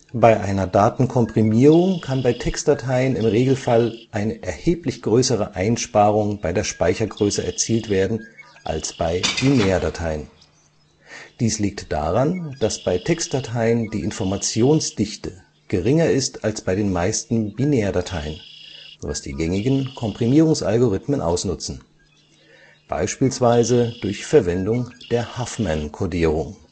Bei einer Datenkomprimierung kann bei Textdateien im Regelfall eine erheblich größere Einsparung bei der Speichergröße erzielt werden als bei Binärdateien. Dies liegt daran, dass bei Textdateien die Informationsdichte geringer ist als bei den meisten Binärdateien, was die gängigen Komprimierungsalgorithmen ausnutzen – beispielsweise durch Verwendung der Huffman-Kodierung